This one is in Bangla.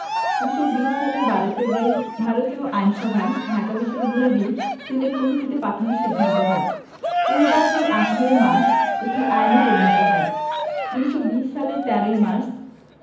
১৯২০ সালের ১২ ফেব্রুয়ারি ভারতীয় আইনসভায় ঢাকা বিশ্ববিদ্যালয় বিল সিলেক্ট কমিটিতে পাঠানোর সিদ্ধান্ত হয় ওই বছর ১৮ মার্চ এটি আইনে পরিণত হয় ১৯২০ সালের ১৩ মার্চ